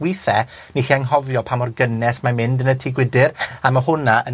withe, ni 'lly anghofio pa mor gynnes mae'n mynd yn y tŷ gwydyr, a ma' hwnna yn